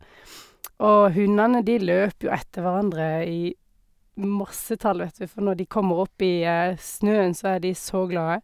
Og hundene, de løp jo etter hverandre i massetall, vet du, for når de kommer opp i snøen, så er de så glade.